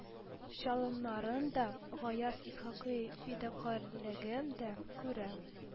Чалымнарын да, гаяз исхакый фидакарьлеген дә күрәм